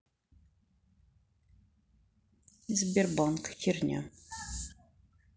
сбербанк херня